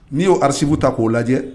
N'i y'o ararisibu ta k'o lajɛ